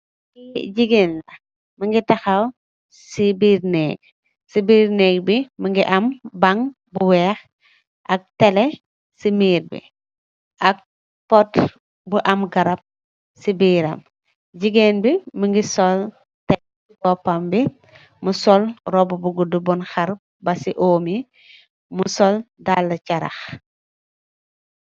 Kii jigeen la, mingi taxaw si biir niig, si biir niig bi mingi am bang bu weex, ak tele si miir bi, ak pot bu am garab si biiram, jigeen bi mingi sol per si boppam bi, mo sol roba gudu bu xar basi oom yi, mu sol daale carax